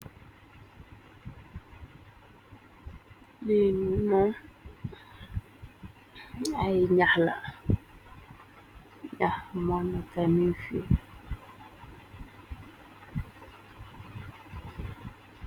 Liinu moom ay naxla nax monekani fi.